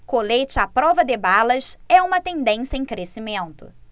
colete à prova de balas é uma tendência em crescimento